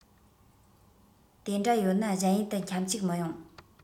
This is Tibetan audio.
དེ འདྲ ཡོད ན གཞན ཡུལ དུ ཁྱམས བཅུག མི ཡོང